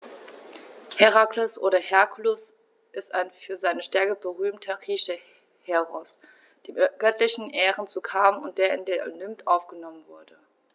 Herakles oder Herkules ist ein für seine Stärke berühmter griechischer Heros, dem göttliche Ehren zukamen und der in den Olymp aufgenommen wurde.